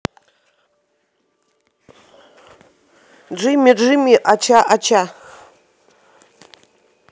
джимми джимми ача ача